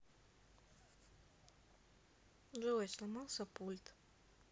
джой сломался пульт